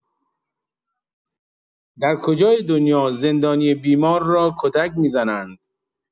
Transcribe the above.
در کجای دنیا زندانی بیمار را کتک می‌زنند؟